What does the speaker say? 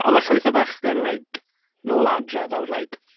Ond mae llwyth o fechgyn like, nôl adre that would like...